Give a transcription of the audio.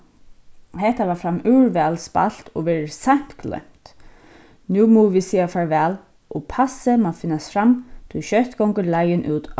hetta var framúr væl spælt og verður seint gloymt nú mugu vit siga farvæl og passið má finnast fram tí skjótt gongur leiðin út